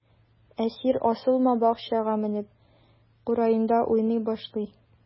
Әсир асылма бакчага менеп, кураенда уйный башлый.